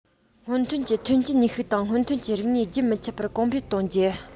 སྔོན ཐོན གྱི ཐོན སྐྱེད ནུས ཤུགས དང སྔོན ཐོན གྱི རིག གནས རྒྱུན མི འཆད པར གོང འཕེལ གཏོང རྒྱུ